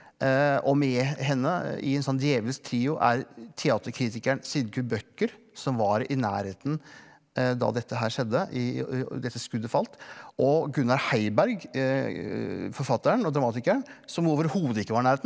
og med henne i en sånn djevelens trio er teaterkritikeren Sigurd Bødtker som var i nærheten da dette her skjedde i dette skuddet falt og Gunnar Heiberg forfatteren og dramatikeren som overhodet ikke var i nærheten.